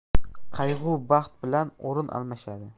qayg'u baxt bilan o'rin almashadi